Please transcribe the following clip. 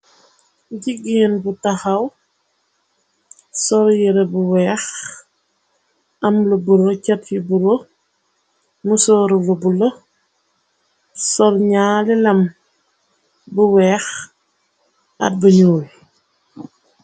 Jigeen bu taxaw sol yira bu weex am lu buro cat yu buro musoorula bula sor ñaale lam bu weex ak buñul.